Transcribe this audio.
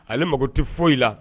Ale mago tɛ foyi la